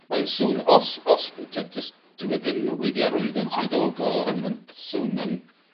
mae'n swn- os os b- t'wod do's dyw e ddim wedi arwyddo'n swyddogol ond ma'n swno'n